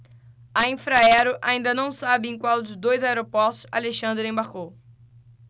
a infraero ainda não sabe em qual dos dois aeroportos alexandre embarcou